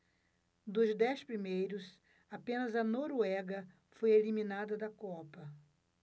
dos dez primeiros apenas a noruega foi eliminada da copa